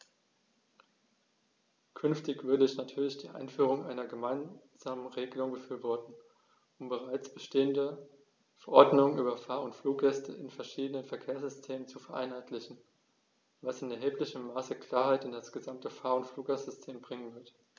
Künftig würde ich natürlich die Einführung einer gemeinsamen Regelung befürworten, um bereits bestehende Verordnungen über Fahr- oder Fluggäste in verschiedenen Verkehrssystemen zu vereinheitlichen, was in erheblichem Maße Klarheit in das gesamte Fahr- oder Fluggastsystem bringen wird.